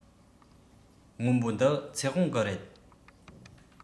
སྔོན པོ འདི ཚེ དབང གི རེད